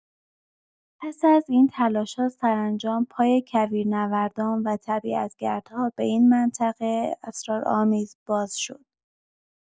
پس از این تلاش‌ها سرانجام پای کویرنوردان و طبیعت گردها به این منطقه اسرارآمیز باز شد.